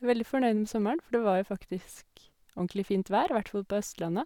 Veldig fornøyd med sommeren, for det var jo faktisk ordentlig fint vær, hvert fall på Østlandet.